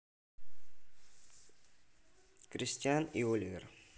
кристиан и оливер